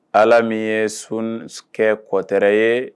Ala min ye sunkɛ kɔtɛ ye